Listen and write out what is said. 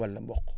wala mboq